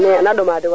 Mbisine Sene